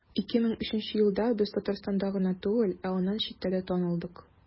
2003 елда без татарстанда гына түгел, ә аннан читтә дә танылдык.